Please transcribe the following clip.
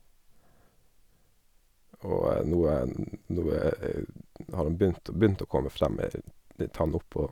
Og nå er nå er har han begynt begynt å komme frem ei ei tann oppe óg.